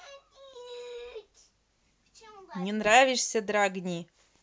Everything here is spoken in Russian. не нравишься драгни